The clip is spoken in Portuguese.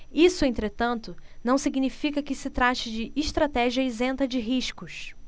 isso entretanto não significa que se trate de estratégia isenta de riscos